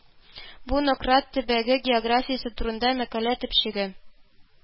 Бу Нократ төбәге географиясе турында мәкалә төпчеге